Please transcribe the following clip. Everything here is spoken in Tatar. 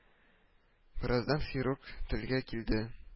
Бераздан хирург телгә килде: